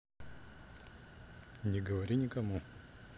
не говори никому